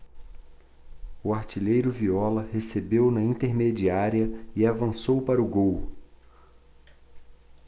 o artilheiro viola recebeu na intermediária e avançou para o gol